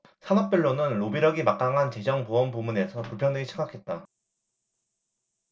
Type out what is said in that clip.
산업별로는 로비력이 막강한 재정 보험 부문에서 불평등이 심각했다